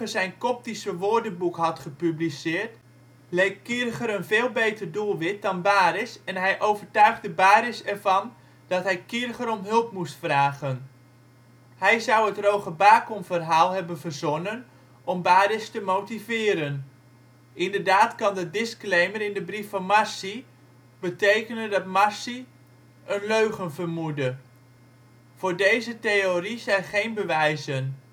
zijn Koptische woordenboek had gepubliceerd, leek Kircher een veel beter doelwit dan Baresch en hij overtuigde Baresch ervan dat hij Kircher om hulp moest vragen. Hij zou het Roger Bacon-verhaal hebben verzonnen om Baresch te motiveren. Inderdaad kan de disclaimer in de brief van Marci betekenen dat Marci een leugen vermoedde. Voor deze theorie zijn geen bewijzen